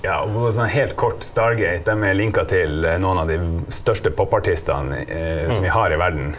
ja og sånn helt kort, Stargate dem er linka til noen av de største popartistene som vi har i verden.